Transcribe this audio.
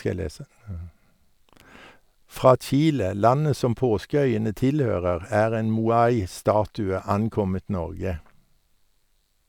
Fra Chile, landet som Påskeøyene tilhører, er en Moai (statue) ankommet Norge.